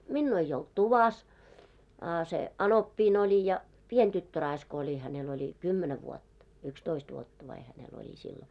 minua ei ollut tuvassa a se anoppini oli ja pieni tyttöraiska oli hänellä oli kymmenen vuotta yksitoista vuotta vai hänellä oli silloin